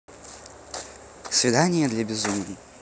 свидание для безумной